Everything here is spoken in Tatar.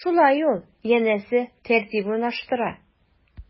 Шулай ул, янәсе, тәртип урнаштыра.